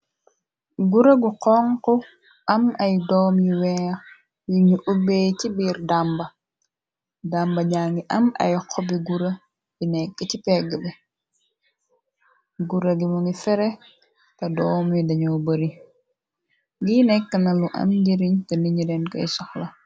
Gura gu konk am ay doom yi weex yi ñu ubbee ci biir dàmba damba jangi am ay xobi gura bi nekk ci pegg bi gura gimu ni fere te doom yi dañu bari ngi nekk na lu am njiriñ di niñuleen kay soxla.